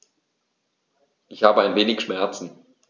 Ich habe ein wenig Schmerzen.